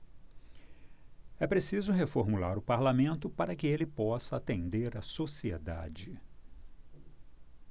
é preciso reformular o parlamento para que ele possa atender a sociedade